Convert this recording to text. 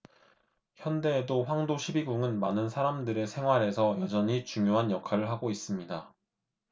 현대에도 황도 십이궁은 많은 사람들의 생활에서 여전히 중요한 역할을 하고 있습니다